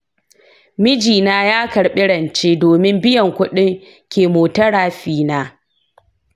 mijina ya karɓi rance domin biyan kuɗin chemotherapy na.